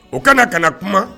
O kana kana na kuma